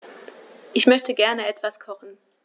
Ich möchte gerne etwas kochen.